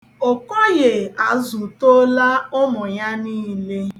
Okoye azụtoola ụmụ ya niile.